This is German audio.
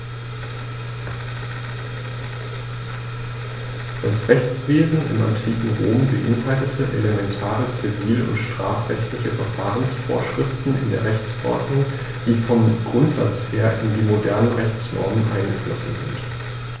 Das Rechtswesen im antiken Rom beinhaltete elementare zivil- und strafrechtliche Verfahrensvorschriften in der Rechtsordnung, die vom Grundsatz her in die modernen Rechtsnormen eingeflossen sind.